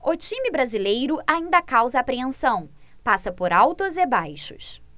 o time brasileiro ainda causa apreensão passa por altos e baixos